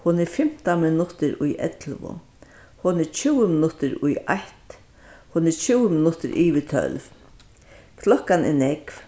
hon er fimtan minuttir í ellivu hon er tjúgu minuttir í eitt hon er tjúgu minuttir yvir tólv klokkan er nógv